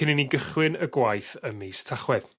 cyn i ni gychwyn y gwaith ym mis Tachwedd.